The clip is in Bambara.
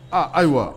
Aa ayiwa